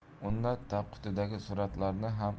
unda tagqutidagi suratlarni